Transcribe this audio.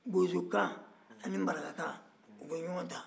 bozokan ani marakakan u bɛ ɲɔgɔn ta